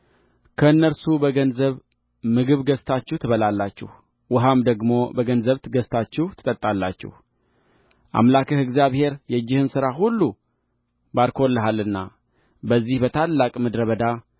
ከእነርሱ በገንዘብ ምግብ ገዝታችሁ ትበላላችሁ ውኃም ደግሞ በገንዘብ ገዝታችሁ ትጠጣላችሁ ብ ገዝታችሁ ትጠጣላችሁአምላክህ እግዚአብሔር የእጅህን ሥራ ሁሉ ባርኮልሃልና በዚህ በታላቅ ምድረ በዳ